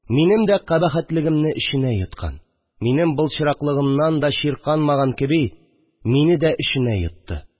Минем дә кабахәтлегемне эченә йоткан, минем былчыраклыгымнан да чирканмаган кеби, мине дә эченә йотты